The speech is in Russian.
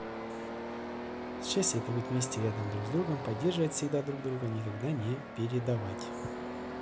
счастье это быть вместе рядом друг с другом поддерживать всегда друг друга и никогда не передавать